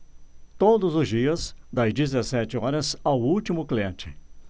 todos os dias das dezessete horas ao último cliente